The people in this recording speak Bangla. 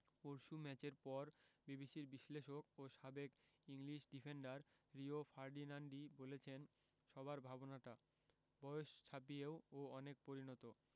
পরশু ম্যাচের পর বিবিসির বিশ্লেষক ও সাবেক ইংলিশ ডিফেন্ডার রিও ফার্ডিনান্ডই বলেছেন সবার ভাবনাটা বয়স ছাপিয়েও ও অনেক পরিণত